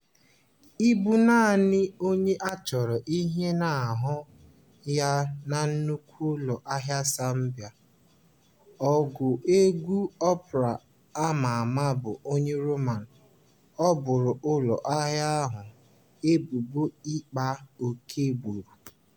Ịbụ naanị onye a chọrọ ihe n'ahụ ya na nnukwu ụlọ ahịa Serbia, ọgụ egwu opera a ma ama bụ onye Roma boro ụlọ ahịa ahụ ebubo ịkpa ókè agbụrụ